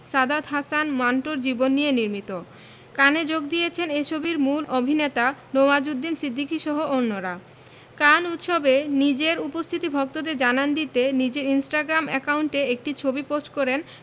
সাদাত হাসান মান্টোর জীবন নিয়ে নির্মিত কানে যোগ দিয়েছেন এ ছবির মূল অভিনেতা নওয়াজুদ্দিন সিদ্দিকীসহ অন্যরা কান উৎসবে নিজের উপস্থিতি ভক্তদের জানান দিতে নিজের ইনস্টাগ্রাম অ্যাকাউন্টে একটি ছবি পোস্ট করেন